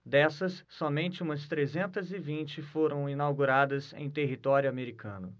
dessas somente umas trezentas e vinte foram inauguradas em território americano